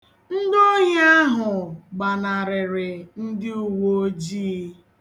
Ndị ohi ahụ gbanarịrị ndị uweojii.